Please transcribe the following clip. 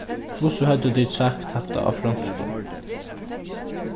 hvussu høvdu tit sagt hatta á fronskum